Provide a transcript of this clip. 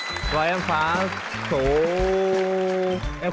và em phá số em